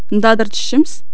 نظاظر د الشمش